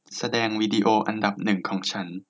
แสดงวิดีโออันดับหนึ่งของฉัน